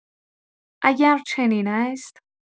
اگر چنین است